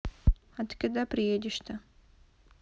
а ты когда придешь то